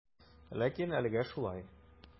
Ләкин әлегә шулай.